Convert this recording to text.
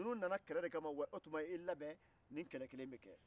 ko ninnu nana kɛlɛ de kama wa k'a ka labɛn ko nin kɛlɛ kelen bɛ kɛ